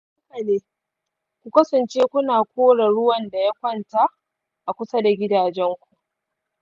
haka ne; ku kasance kuna kore ruwan da ya kwanta a kusa da gidajen ku.